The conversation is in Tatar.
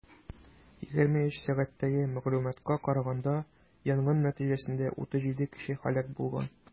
23:00 сәгатьтәге мәгълүматка караганда, янгын нәтиҗәсендә 37 кеше һәлак булган.